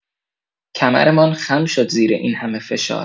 کمرمان خم شد زیر این همه فشار.